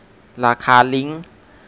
ราคาลิ้ง